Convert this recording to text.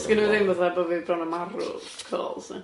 Sgynna fi ddim fatho bo' fi bron a marw calls ia.